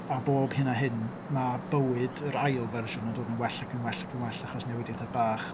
A bob hyn a hyn, ma' bywyd yr ail fersiwn yn dod yn well ac yn well ac yn well achos newidiadau bach.